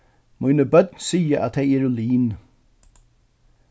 míni børn siga at tey eru lin